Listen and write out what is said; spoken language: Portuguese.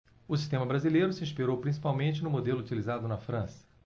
o sistema brasileiro se inspirou principalmente no modelo utilizado na frança